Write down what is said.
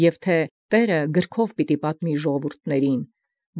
Եւ թէ՝ «Տէր պատմեսցէ գրովք ժողովրդոցե։